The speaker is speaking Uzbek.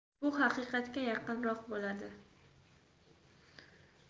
bu haqiqatga yaqinroq bo'ladi